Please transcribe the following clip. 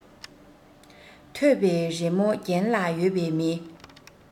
ཐོད པའི རི མོ གྱེན ལ ཡོད པའི མི